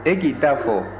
e k'i ta fɔ